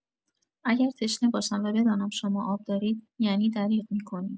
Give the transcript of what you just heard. اگر تشنه باشم و بدانم شما آب دارید، یعنی دریغ می‌کنید.